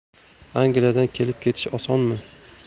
angliyadan kelib ketish osonmi